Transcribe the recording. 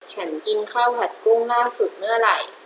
ฉันกินข้าวผัดกุ้งล่าสุดเมื่อไหร่